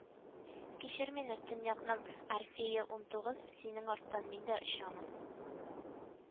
Кичер мине, төньякның Орфее унтугыз, Синең арттан мин дә очамын